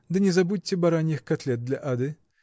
да не забудьте бараньих котлет для Ады.